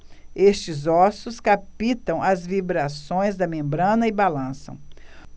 estes ossos captam as vibrações da membrana e balançam